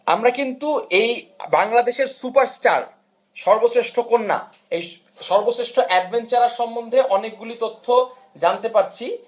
আমরা কিন্তু এই বাংলাদেশের সুপার স্টার সর্বশ্রেষ্ঠ কন্যা সর্বশ্রেষ্ঠ অ্যাডভেঞ্চারের সম্বন্ধে অনেকগুলো তথ্য জানতে পারছি